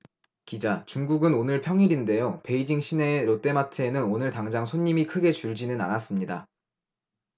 기자 중국은 오늘 평일인데요 베이징 시내의 롯데마트에는 오늘 당장 손님이 크게 줄지는 않았습니다